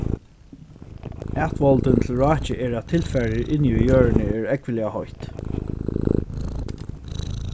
atvoldin til rákið er at tilfarið inni í jørðini er ógvuliga heitt